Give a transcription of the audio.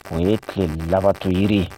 O ye k'i labatoyiri